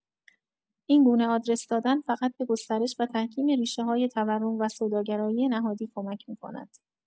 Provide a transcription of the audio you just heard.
این گونه آدرس دادن فقط به گسترش و تحکیم ریشه‌های تورم وسوداگرایی نهادی کمک می‌کند.